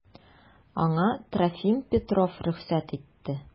Аңа Трофим Петров рөхсәт итте.